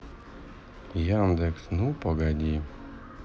яндекс ну погоди